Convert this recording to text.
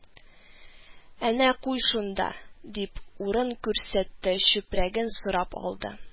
– әнә куй шунда, – дип, урын күрсәтте, чүпрәген сорап алды